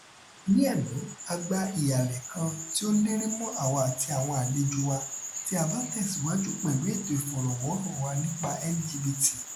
Ní àná, a gba ìhàlẹ̀ kan tí ó ń lérí mọ́ àwa àti àwọn àlejòo wa tí a bá tẹ̀síwajú pẹ̀lú ètò ìfọ̀rọ̀wọ́rọ̀ọ wa nípa LGBT.